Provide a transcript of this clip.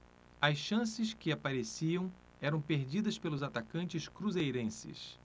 as chances que apareciam eram perdidas pelos atacantes cruzeirenses